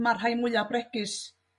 mai'r rhai mwyaf bregus